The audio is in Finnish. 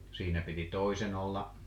siinä piti toisen olla